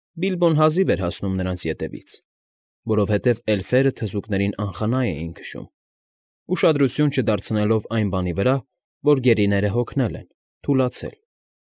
Բիլբոն հազիվ էր հասնում նրանց ետևից, որովհետև էլֆերը թզուկներին անխնա էին քշում, ուշադրություն չդարձնելով այն բանի վրա, որ գերիները հոգնել են, թուլացել։